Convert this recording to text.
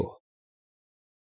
Գոհ։